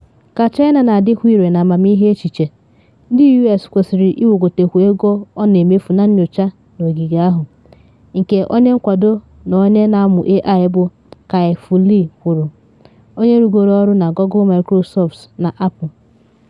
Ka China na adịkwu ire n’amamịghe echiche, ndị U.S. kwesịrị iwegotekwu ego ọ na emefu na nnyocha n’ogige ahụ, nke onye nkwado na onye na amụ AI bu Kai-Fu Lee kwuru, onye rugoro ọrụ na Google Microsoft na Apple.